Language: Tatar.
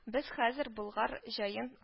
Без хәзер Болгар җаен